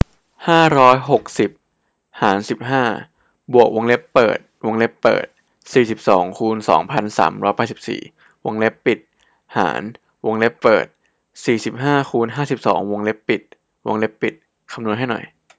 ห้าร้อยหกสิบหารสิบห้าบวกวงเล็บเปิดวงเล็บเปิดสี่สิบสองคูณสองพันสามร้อยแปดสิบสี่วงเล็บปิดหารวงเล็บเปิดสี่สิบห้าคูณห้าสิบสองวงเล็บปิดวงเล็บปิดคำนวณให้หน่อย